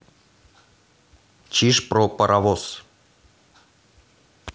чиж про паровоз